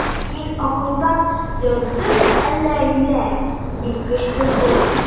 Син акылдан яздыңмы әллә, юләр! - дип кычкырды ул.